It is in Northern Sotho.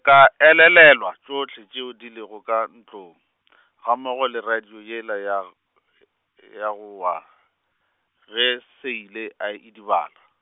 ka elelelwa tšohle tšeo di lego ka ntlong , gammogo le radio yela ya g- , ya go wa, ge Seila a idibala.